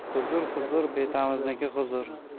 huzur huzur betamizniki huzur